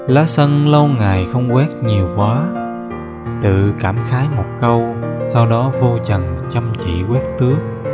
lá sân lâu ngày không quét nhiều quá tự cảm khái một câu sau đó vô trần chăm chỉ quét tước